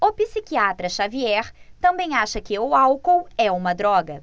o psiquiatra dartiu xavier também acha que o álcool é uma droga